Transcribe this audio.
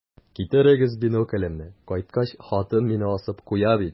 Китерегез биноклемне, кайткач, хатын мине асып куя бит.